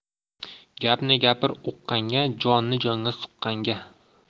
gapni gapir uqqanga jonni jonga suqqanga